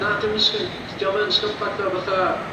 Na 'di o'm yn sg- 'di o'm yn scumbag ddo fatha...